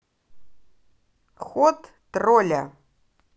ход тролля